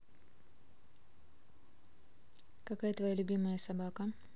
какая твоя любимая собака